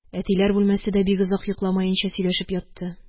Тиләр бүлмәсе дә бик озак йокламаенча сөйләшеп ятты.